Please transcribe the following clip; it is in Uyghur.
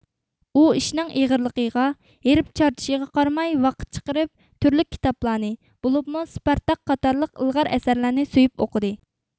ئۇ ئىشنىڭ ئېغىرلىقىغا ھېرىپ چارچىشىغا قارىماي ۋاقىت چىقىرىپ تۈرلۈك كىتابلارنى بولۇپمۇ سپارتاك قاتارلىق ئىلغار ئەسەرلەرنى سۆيۈپ ئوقۇدى